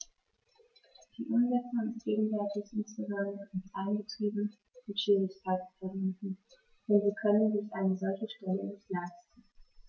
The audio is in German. Die Umsetzung ist gegenwärtig insbesondere in kleinen Betrieben mit Schwierigkeiten verbunden, denn sie können sich eine solche Stelle nicht leisten.